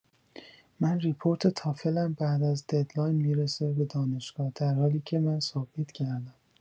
من ریپورت تافلم بعد از ددلاین می‌رسه به دانشگاه در حالیکه من سابمیت کردم!